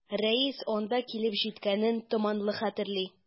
Рәис анда килеп җиткәнен томанлы хәтерли.